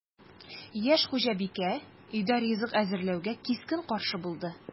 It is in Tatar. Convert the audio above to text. Яшь хуҗабикә өйдә ризык әзерләүгә кискен каршы булды: